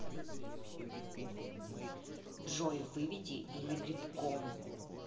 джой выведи или грибком